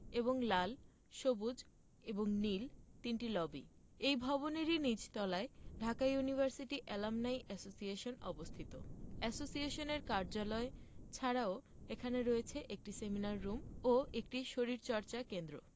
এবং লাল সবুজ এবং নীল তিনটি লবি এই ভবনেরই নিচের তলায় ঢাকা ইউনিভার্সিটি এলামনাই এসোসিয়েশন অবস্থিত এসোসিয়েশনের কার্যালয় ছাড়াও এখানে রয়েছে একটি সেমিনার রুম ও একটি শরীরচর্চা কেন্দ্র